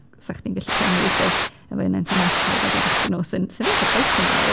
'Sa chdi'n gallu llenwi 'lly" efo un o'n tenantiaid ac e-bostio nhw, sy'n sy'n reit exciting dwi'n meddwl.